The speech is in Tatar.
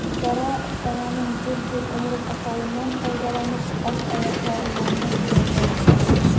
Гөлзәрә, тананың зур-зур умырып ашавыннан файдаланып, арт аяклары янына чүгәләде.